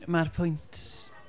Mae'r pwynt